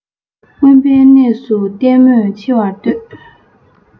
དབེན པའི གནས སུ ལྟད མོ ཆེ བར ལྟོས